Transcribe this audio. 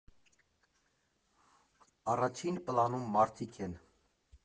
Առաջին պլանում մարդիկ են։